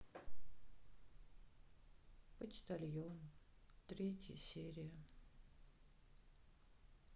почтальон третья серия